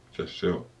mitäs se on